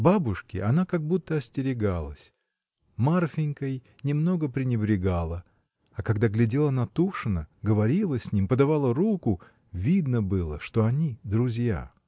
Бабушки она как будто остерегалась, Марфинькой немного пренебрегала, а когда глядела на Тушина, говорила с ним, подавала руку — видно было, что они друзья.